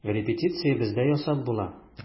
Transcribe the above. Репетиция бездә ясап була.